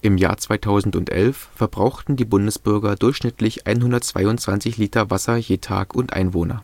Im Jahr 2011 verbrauchten die Bundesbürger durchschnittlich 122 Liter Wasser je Tag und Einwohner